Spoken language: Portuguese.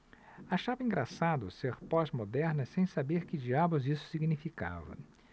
achava engraçado ser pós-moderna sem saber que diabos isso significava